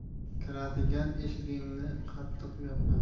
kiradigan eshigingni qattiq yopma